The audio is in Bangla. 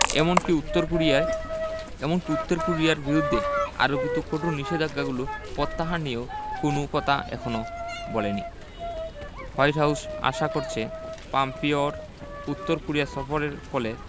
এ মনকি উত্তর কোরিয়ায় এ মনকি উত্তর কোরিয়ার বিরুদ্ধে আরোপিত কঠোর নিষেধাজ্ঞাগুলো প্রত্যাহার নিয়েও কোনো কথা এখনো বলেনি হোয়াইট হাউস আশা করছে পাম্পিওর উত্তর কোরিয়া সফরের ফলে